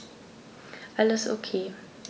Alles OK.